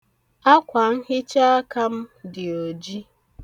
Akwanhichaaka m dị oji.